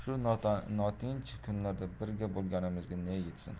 kunlarda birga bo'lganimizga ne yetsin